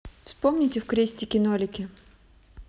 вспомните в крестики нолики